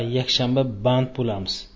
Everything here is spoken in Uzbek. yakshanba band bulamiz